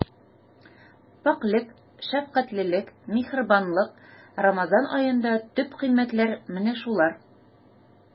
Пакьлек, шәфкатьлелек, миһербанлык— Рамазан аенда төп кыйммәтләр менә шулар.